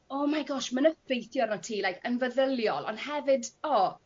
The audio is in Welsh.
oh my gosh ma'n effeithio arno ti like yn feddyliol ond hefyd o